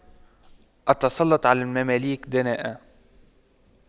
التسلُّطُ على المماليك دناءة